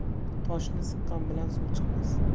toshni siqqan bilan suv chiqmas